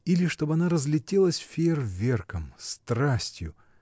Или чтоб она разлетелась фейерверком, страстью!